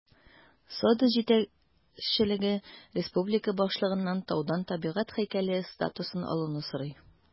Сода җитәкчелеге республика башлыгыннан таудан табигать һәйкәле статусын алуны сорый.